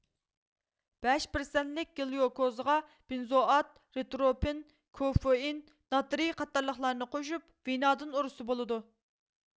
بەش پىرسەنتلىك گلۇكوزىغا بېنزوئات روتروپىن كوفېئىن ناترىي قاتارلىقلارنى قوشۇپ ۋىنادىن ئۇرسا بولىدۇ